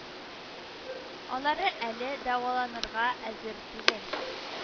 Алары әле дәваланырга әзер түгел